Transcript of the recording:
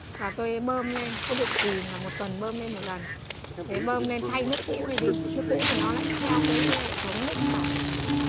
và tôi bơm lên cứ định kỳ là một tuần bơm lên một lần thế bơm lên thay nước cũ này đi nước cũ thì nó lại theo cái hệ thống nước thải